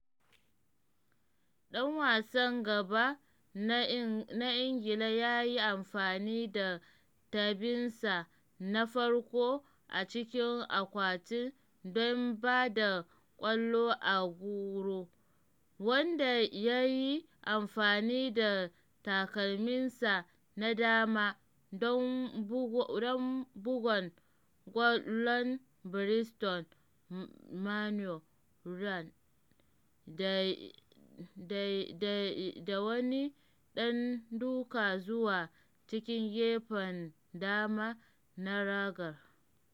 Ɗan wasan gaba na Ingilan ya yi amfani da tabinsa na farko a cikin akwatin don ba da ƙwallo ga Aguero, wanda ya yi amfani da takalminsa na dama don bugan golan Brighton Mathew Ryan da wani ɗan duka zuwa cikin gefen dama na ragar.